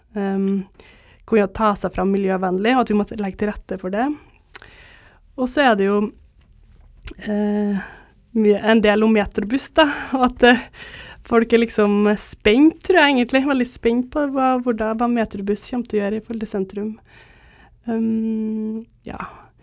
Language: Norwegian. å kunne ta seg fram miljøvennlig og at vi må legge til rette for det og så er det jo en del om metrobuss da og at folk er liksom spent tror jeg egentlig veldig spent på hva hvordan hva metrobuss kommer til å gjøre i forhold til sentrum ja.